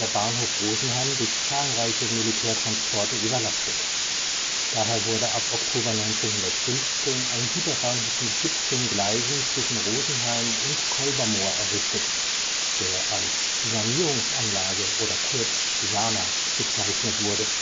Bahnhof Rosenheim durch zahlreiche Militärtransporte überlastet. Daher wurde ab Oktober 1915 ein Güterbahnhof mit 17 Gleisen zwischen Rosenheim und Kolbermoor errichtet, der als Sanierungsanlage (Sana) bezeichnet wurde